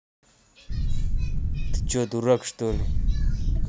ты че дурак что ли